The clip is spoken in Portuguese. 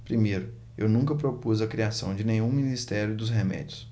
primeiro eu nunca propus a criação de nenhum ministério dos remédios